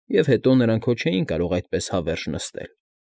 Եվ հետո, նրանք հո չէին կարող այդպես հավերժ նստել։